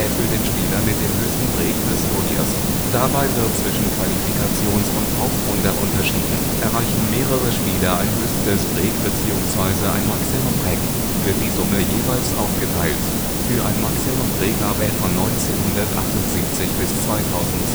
für den Spieler mit dem höchsten Break des Turniers. Dabei wird zwischen Qualifikations - und Hauptrunde unterschieden. Erreichen mehrere Spieler ein höchstes Break bzw. ein Maximum Break, wird die Summe jeweils aufgeteilt. Für ein Maximum Break gab es von 1978 bis 2010